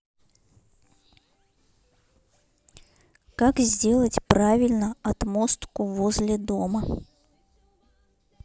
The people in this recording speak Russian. как сделать правильно отмостку возле дома